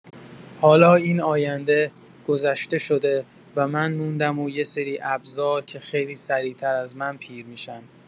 حالا این آینده، گذشته شده و من موندم و یه سری ابزار که خیلی سریع‌تر از من پیر می‌شن.